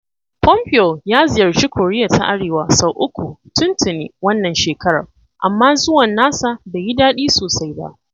Pompeo ya ziyarci Koriya ta Arewa sau uku tun tuni wannan shekarar, amma zuwan nasa bai yi daɗi sosai ba.